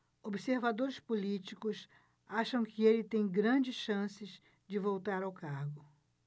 observadores políticos acham que ele tem grandes chances de voltar ao cargo